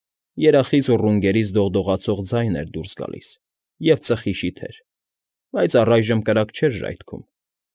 Երախից ու ռունգներից դողդողացող ձայն էր դուրս գալիս և ծխի շիթեր, բայց առայժմ կրակ չէր ժայթքում։